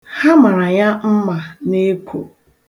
Ha mara ya nma n'ekwo.